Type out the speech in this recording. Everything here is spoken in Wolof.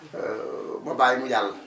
ma bàyyi mu jàll